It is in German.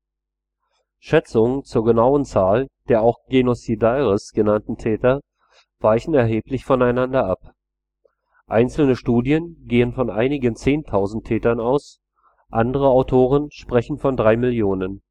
Schätzungen zur genauen Zahl der auch Génocidaires genannten Täter weichen erheblich voneinander ab. Einzelne Studien gehen von einigen Zehntausend Tätern aus, andere Autoren sprechen von drei Millionen